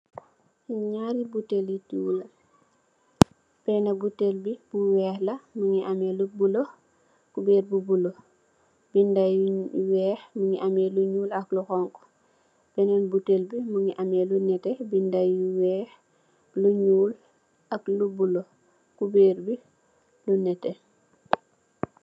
Njarri butehli diw la, benah butehll bii bu wekh la mungy ameh lu bleu, couberre bu bleu, binda yu wekh mungy ameh lu njull ak lu honhu, benen butehll bii mungy ameh lu nehteh binda yu wekh, lu njull ak lu bleu, couberre bii lu nehteh.